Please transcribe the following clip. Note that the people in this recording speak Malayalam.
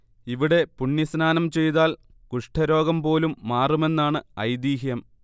ഇവിടെ പുണ്യസ്നാനം ചെയ്താൽ കുഷ്ഠരോഗം പോലും മാറുമെന്നാണ് ഐതീഹ്യം